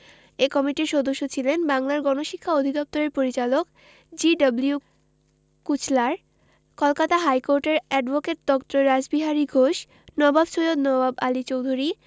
এ কমিটির সদস্য ছিলেন বাংলার গণশিক্ষা অধিদপ্তরের পরিচালক জি.ডব্লিউ কুচলার কলকাতা হাইকোর্টের অ্যাডভোকেট ড. রাসবিহারী ঘোষ নবাব সৈয়দ নওয়াব আলী চৌধুরী